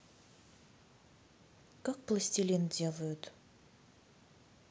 как пластилин делают